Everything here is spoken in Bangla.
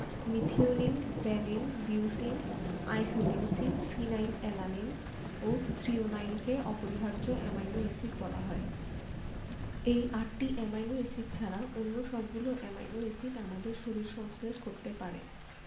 methionine valine leucine isoleucine phenyl alanine ও থ্রিওনাইনকে অপরিহার্য অ্যামাইনো এসিড বলা হয় এই আটটি অ্যামাইনো এসিড ছাড়া অন্য সবগুলো অ্যামাইনো এসিড আমাদের শরীর সংশ্লেষ করতে পারে